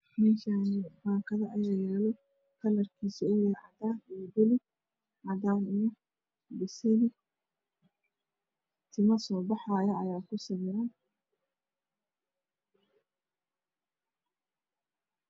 Meshaani bakado ayaa ayaalo kalar kiisu uyahay cadaan iyo bulug cadaan iyo basli timo soo baxaa ayaa ku sawiran